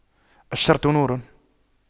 الشرط نور